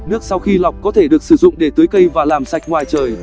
nước sau khi lọc có thể được sử dụng để tưới cây và làm sạch ngoài trời